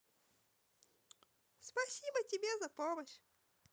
спасибо тебе за помощь